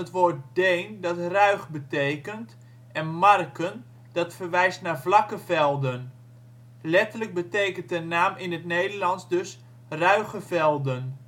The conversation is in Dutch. woord Deen dat ruig betekent en marken dat verwijst naar vlakke velden. Letterlijk betekent de naam in het Nederlands dus Ruigevelden